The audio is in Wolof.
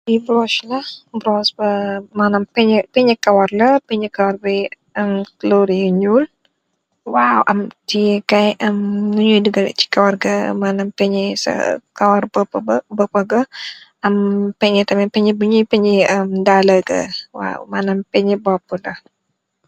Lii buros la, manaam péññe kawar la, péññe kawar yi am kuloor yu ñuul, waaw. Am tiyee kaay, lu ñooy duggale ci kawar ga, manaam, péññe sa boopa gë. Am péññe tamit, péññe bu ñooy, manaam péññe boopu la.